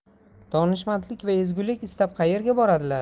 donishmandlik va ezgulik istab qaerga boradilar